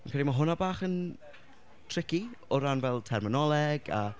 Rwy'n credu ma' hwnna bach yn tricky o ran fel terminoleg a...